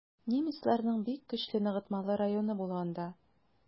Немецларның бик көчле ныгытмалы районы була анда.